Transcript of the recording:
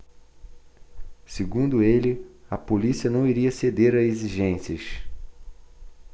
segundo ele a polícia não iria ceder a exigências